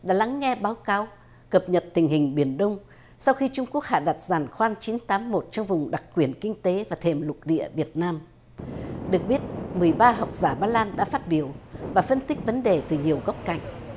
đã lắng nghe báo cáo cập nhật tình hình biển đông sau khi trung quốc hạ đặt giàn khoan chín tám một trong vùng đặc quyền kinh tế và thềm lục địa việt nam được biết mười ba học giả ba lan đã phát biểu và phân tích vấn đề từ nhiều góc cạnh